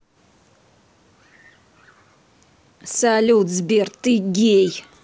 салют сбер ты гей